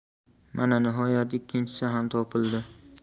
mana nihoyat ikkinchisi ham topildi